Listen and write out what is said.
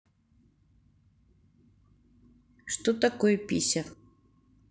что такое пися